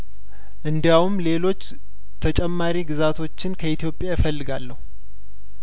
እንዲያውም ሌሎች ተጨማሪ ግዛቶችን ከኢትዮጵያ እፈልጋለሁ